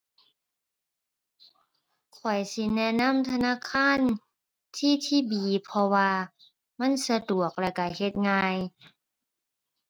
ข้อยสิแนะนำธนาคาร TTB เพราะว่ามันสะดวกแล้วกะเฮ็ดง่าย